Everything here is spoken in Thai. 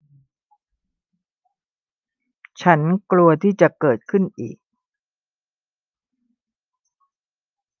ฉันกลัวที่จะเกิดขึ้นอีก